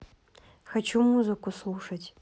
хочу музыку слушать